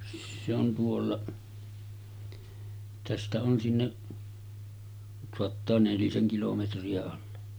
se on tuolla tästä on sinne saattaa nelisen kilometriä olla